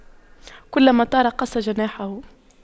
كلما طار قص جناحه